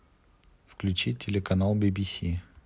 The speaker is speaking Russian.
включи телеканал бибиси